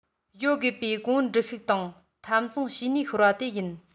ཡོད དགོས པའི གོང བུར འགྲིལ ཤུགས དང འཐབ འཛིང བྱེད ནུས ཤོར བ དེ ཡིན